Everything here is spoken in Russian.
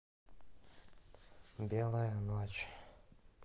белая ночь